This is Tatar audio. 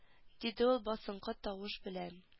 Диде ул басынкы тавыш белән